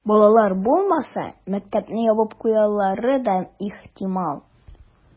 Балалар булмаса, мәктәпне ябып куюлары да ихтимал.